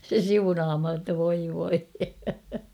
se siunaamaan jotta voi voi